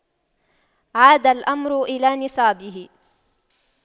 عاد الأمر إلى نصابه